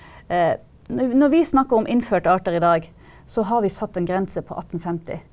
når vi snakker om innførte arter i dag, så har vi satt en grense på attenfemti.